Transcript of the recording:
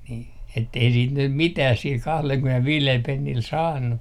niin että ei sitten nyt mitään sillä kahdellakymmenelläviidellä pennillä saanut